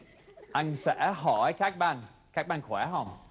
anh sẽ hỏi các bạn các bạn khỏe hông